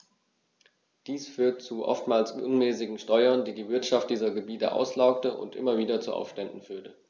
Dies führte zu oftmals unmäßigen Steuern, die die Wirtschaft dieser Gebiete auslaugte und immer wieder zu Aufständen führte.